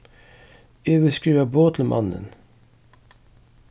eg vil skriva boð til mannin